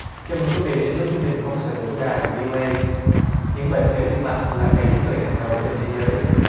chào mừng quý vị đến với chương trình phóng sự của đài v ô ây những bệnh về tim mạch là kẻ giết người hàng đầu trên thế giới